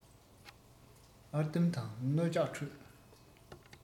ཨར དམ དང རྣོ ལྕགས ཁྲོད